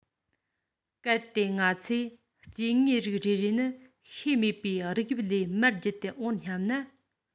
གལ ཏེ ང ཚོས སྐྱེ དངོས རིགས རེ རེ ནི ཤེས མེད པའི རིགས དབྱིབས ལས མར བརྒྱུད དེ འོངས པར སྙམ ན